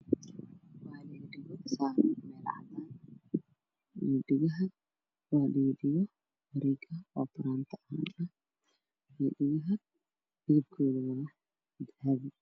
Waa dhago dhago saran cadaan ah kalarkoodu waa dahabi waxaa la socdo franti